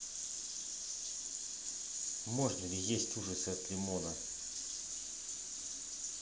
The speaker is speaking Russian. можно ли есть ужасы от лимона